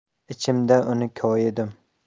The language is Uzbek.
ichimda uni koyidim